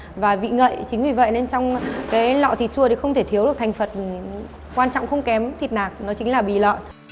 và vị ngậy chính vì vậy nên trong cái lọ thịt chua ấy thì không thể thiếu được thành phần ừ quan trọng không kém thịt nạc nó chính là bì lợn